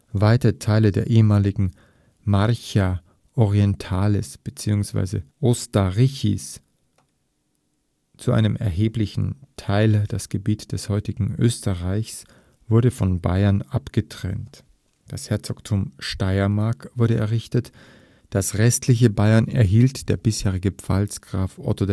Weite Teile der ehemaligen Marcha orientalis bzw. Ostarrîchis – zu einem erheblichen Teil das Gebiet des heutigen Österreichs – wurde von Bayern abgetrennt, das Herzogtum Steiermark wurde errichtet, das restliche Bayern erhielt der bisherige Pfalzgraf Otto